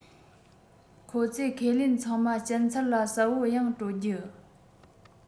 ཁོ ཚོས ཁས ལེན ཚང མ སྦྱིན ཚར ལ གསལ པོ ཡང སྤྲོད རྒྱུ